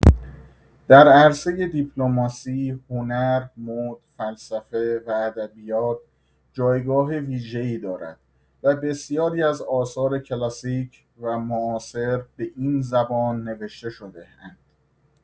در عرصه دیپلماسی، هنر، مد، فلسفه و ادبیات جایگاه ویژه‌ای دارد و بسیاری از آثار کلاسیک و معاصر به این زبان نوشته شده‌اند.